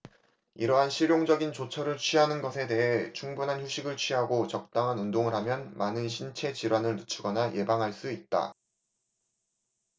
이러한 실용적인 조처를 취하는 것에 더해 충분한 휴식을 취하고 적당한 운동을 하면 많은 신체 질환을 늦추거나 예방할 수 있다